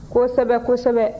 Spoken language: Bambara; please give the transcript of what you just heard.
kosɛbɛ kosɛbɛ